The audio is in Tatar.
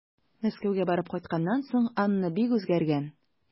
Мәскәүгә барып кайтканнан соң Анна бик үзгәргән.